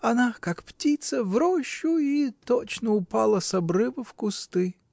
Она, как птица, в рощу, и точно упала с обрыва в кусты.